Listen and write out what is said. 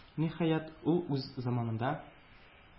Ниһаять, ул үз заманында